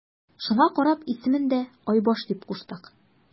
Шуңа карап исемен дә Айбаш дип куштык.